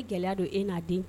I gɛlɛya don e n'a den c